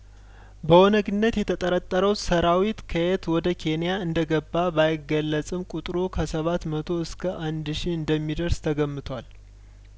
በኦነግነት የተጠረጠረው ሰራዊት ከዬት ወደ ኬንያእንደ ገባ ባይገለጽም ቁጥሩ ከሰባት መቶ እስከ አንድ ሺ እንደሚደርስ ተገምቷል